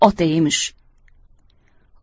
ota emish